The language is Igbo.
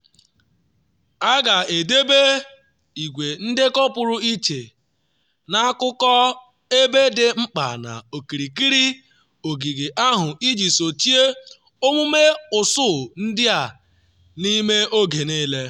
A ga-edebe igwe ndekọ pụrụ iche n’akụkụ ebe dị mkpa n’okirikiri ogige ahụ iji sochie omume ụsụ ndị a n’ime oge niile.